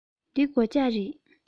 འདི སྒོ ལྕགས རེད